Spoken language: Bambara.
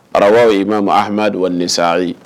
Araraba' ma ma ahamidu nin sari